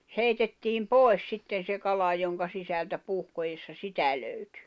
heitettiin pois sitten se kala jonka sisältä puhkoessa sitä löytyi